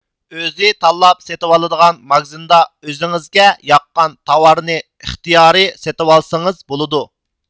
ئۆزى تاللاپ سېتىۋالىدىغان ماگىزىندا ئۆزىڭىزگە ياققان تاۋارنى ئىختىيارىي سېتىۋالسىڭىز بولىدۇ